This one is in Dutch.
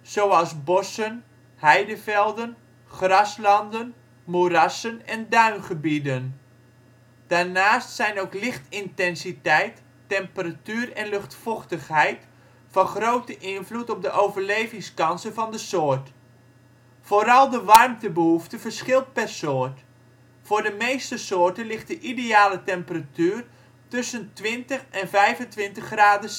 zoals bossen, heidevelden, graslanden, moerassen en duingebieden. Waar een vlindersoort voorkomt, hangt nauw samen met de waardplant van de rupsen. Daarnaast zijn ook lichtintensiteit, temperatuur en luchtvochtigheid van grote invloed op de overlevingskansen van de soort. Vooral de warmtebehoefte verschilt per soort; voor de meeste soorten ligt de ideale temperatuur tussen 20 en 25 graden